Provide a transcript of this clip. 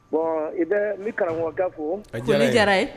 Bɔn i bɛ n karamɔgɔ ka fo a jɔn diyara ye